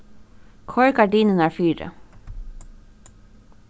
koyr gardinurnar fyri